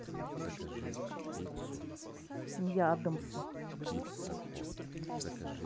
семья адамса